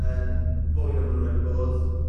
yn fwy na ma' nw wedi bod